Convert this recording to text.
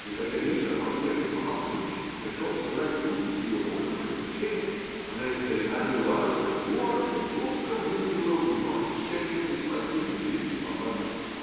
и когда вечером аптекарь Фома Фомич пришел сыграть пульку с ее мужем и казначеем, она издалека завела разговор и ловко вынудила у него обещание прислать ей медвежьей помады.